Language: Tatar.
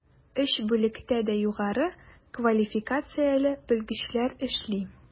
Өч бүлектә дә югары квалификацияле белгечләр эшли.